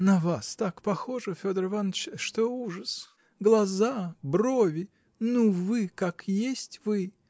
На вас так похожа, Федор Иваныч, что ужас. Глаза, брови. ну, вы, как есть -- вы.